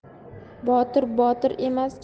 botir botir emas